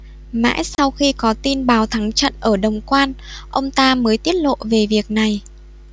mãi sau khi có tin báo thắng trận ở đồng quan ông ta mới tiết lộ về việc này